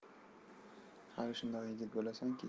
hali shundoq yigit bo'lasanki